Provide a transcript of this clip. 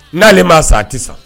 N'ale maa sa a tɛ sa